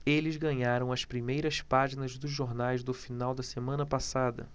eles ganharam as primeiras páginas dos jornais do final da semana passada